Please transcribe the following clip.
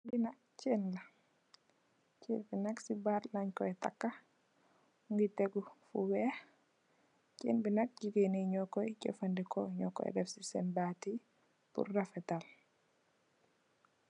Li nak chain la chain bi nak si bat len koi taka mogi teyu fu weex chain bi nak jigeen yi nyi koi jefendeko nyu kooi def si sen baati pul refetal.